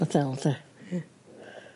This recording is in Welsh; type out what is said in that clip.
Ma' del 'de? Ie.